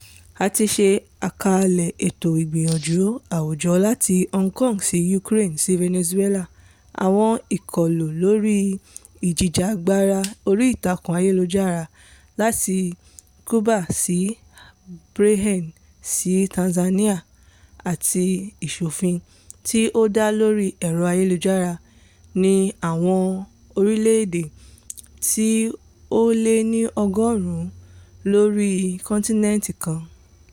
A ti ṣe àkàálẹ̀ ẹ̀tọ́ ìgbìyànjú àwùjọ láti Hong Kong sí Ukraine SÍ Venezuela, àwọn ìkọlù lórí ìjìjàgbara orí ìtàkùn ayélujára láti Cuba sí Bahrain sí Tanzania, àti ìṣòfin tí ó dá lórí ẹ̀rọ ayélujára ní àwọn orílẹ̀ èdè tí ó lé ní ọgọ́rùn-ún lórí kọ́ńtínẹ́ńtì kọ̀ọ̀kan.